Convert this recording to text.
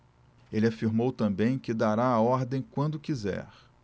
ele afirmou também que dará a ordem quando quiser